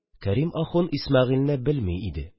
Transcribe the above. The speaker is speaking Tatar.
Кәрим ахун Исмәгыйльне белми иде